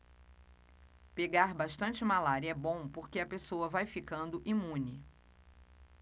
pegar bastante malária é bom porque a pessoa vai ficando imune